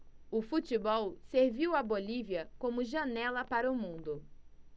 o futebol serviu à bolívia como janela para o mundo